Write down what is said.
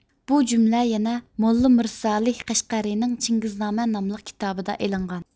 بۇ جۈملە يەنە موللا مىرسالىھ قەشقەرىنىڭ چىڭگىزنامە ناملىق كىتابىدا ئېلىنغان